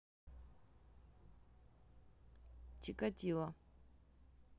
чекатило